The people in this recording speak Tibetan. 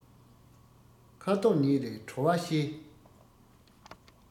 ཁ དོག ཉིད ལས བྲོ བ ཤེས